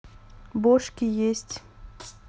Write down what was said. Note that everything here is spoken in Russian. бошки есть